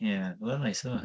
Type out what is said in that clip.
Ie, oedd e'n neis, oedd e?